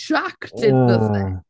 Shaq did the thing.